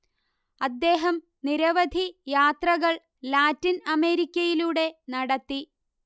അദ്ദേഹം നിരവധി യാത്രകൾ ലാറ്റിൻ അമേരിക്കയിലൂടെ നടത്തി